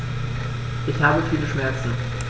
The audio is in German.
Ich habe viele Schmerzen.